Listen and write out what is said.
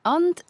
Ond